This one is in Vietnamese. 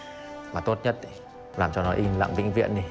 mà tốt nhất thì làm cho nó im lặng vĩnh viễn đi